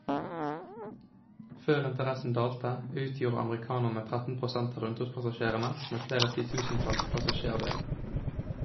Før interessen dalte, utgjorde amerikanerne 13 prosent av rundturpassasjerene, med flere titusentalls passasjerdøgn.